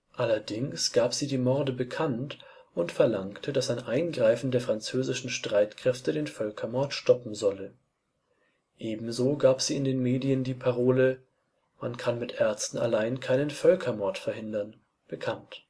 Allerdings gab sie die Morde bekannt und verlangte, dass ein Eingreifen der französischen Streitkräfte den Völkermord stoppen solle. Ebenso gab sie in den Medien die Parole „ Man kann mit Ärzten allein keinen Völkermord verhindern “bekannt